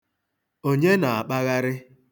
Onye na-akpagharị?